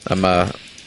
A ma'